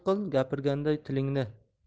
qil gapirganda tilingni